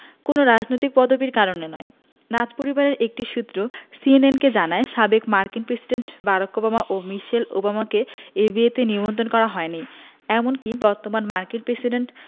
কোনো রাজনৈতিক পদবির কারণে নয় রাজপরিবারের একটি সূত্র সিএনএনকে জানায় সাবেক মার্কিন প্রেসিডেন্ট বারাক ওবামা ও মিশেল ওবামাকে এই বিয়েতে নিমন্ত্রণ করা হয়নি এমনকি বর্তমান মার্কিন প্রেসিডেন্ট